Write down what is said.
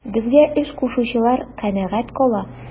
Безгә эш кушучылар канәгать кала.